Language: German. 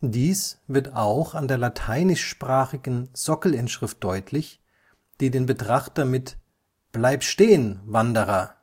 Dies wird auch an der lateinischsprachigen Sockelinschrift deutlich, die den Betrachter mit „ Bleib stehen, Wanderer